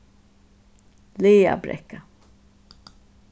laðabrekka